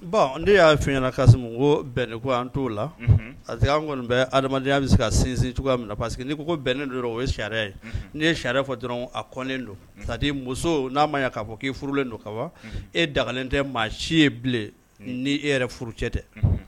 Bon ne y'a f ɲɛna kasi ko bɛnnen ko an t to laseke kɔni bɛ adamadenya bɛ se ka sinsin cogoya na parceseke' ko bɛnnen don o ye sariyarɛ ye ni ye sariyarɛ fɔ dɔrɔn a kɔnnen don muso n'a ma'a fɔ k'i furulen don ka e dagalen tɛ maa si ye bilen ni e yɛrɛ furu cɛ tɛ